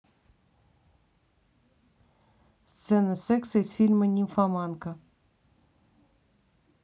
сцена секса из фильма нимфоманка